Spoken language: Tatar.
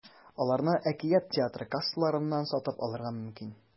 Аларны “Әкият” театры кассаларыннан сатып алырга мөмкин.